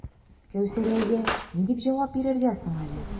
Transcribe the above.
Кәүсәриягә ни дип җавап бирергә соң әле?